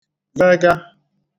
vega